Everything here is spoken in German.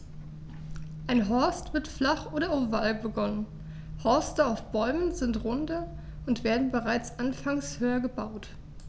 Ein Horst wird flach und oval begonnen, Horste auf Bäumen sind runder und werden bereits anfangs höher gebaut.